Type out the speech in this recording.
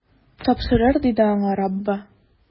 Тапшырыр, - диде аңа Раббы.